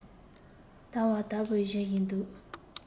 དལ བ དལ བུར འབྱིད བཞིན འདུག